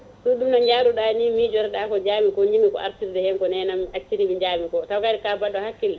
sibuɗum no jaruɗani mijotoɗa ko jamiko jinmi ko artirde hen ko nenam accirimi ko jaami ko taw kay ka baɗɗo hakkille